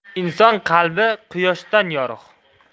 inson qalbi quyoshdan yorug'